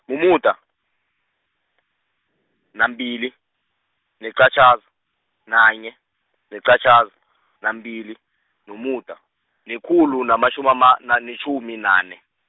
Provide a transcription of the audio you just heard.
mumuda, nambili, neqatjhaza, nanye, neqatjhaza, nambili, nomuda, nekhulu, namatjhumama- na- netjhumi nane.